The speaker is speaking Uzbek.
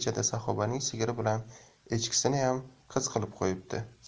saxobaning sigiri bilan echkisiniyam qiz qilib qo'yibdi